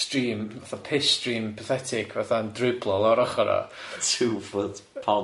stream fatha piss stream pathetic fatha'n driblo lawr ochr o. Two foot pond.